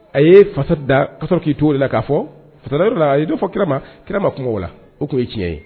A ye fasa da ka sɔrɔ k'i to o yɛrɛ de la ka fɔ, fasa da yɔrɔ a ye dɔ fɔ kira ma, kira ma kuma o la o tun ye tiɲɛ ye.